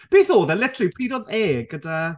Beth oedd e? Literally, prydd oedd e gyda...